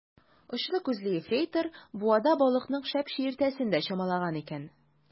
Очлы күзле ефрейтор буада балыкның шәп чиертәсен дә чамалаган икән.